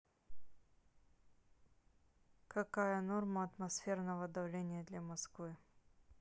какая норма атмосферного давления для москвы